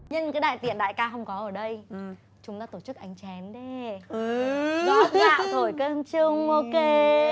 nhân cái đại tiện đại ca không có ở đây chúng ta tổ chức đánh chén đê góp gạo thổi cơm chung ô kê